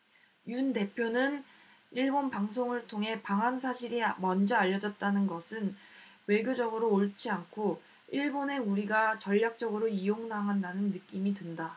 윤 대표는 일본 방송을 통해 방한 사실이 먼저 알려졌다는 것은 외교적으로 옳지 않고 일본에 우리가 전략적으로 이용당한다는 느낌이 든다